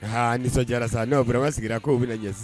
Haa nisɔndiyara sa non vraiment sigida kow bɛna ɲɛ sisan